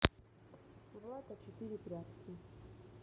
влад а четыре прятки